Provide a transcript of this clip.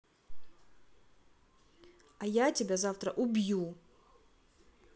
а я тебя завтра убью